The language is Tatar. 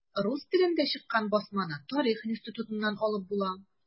Рус телендә чыккан басманы Тарих институтыннан алып була.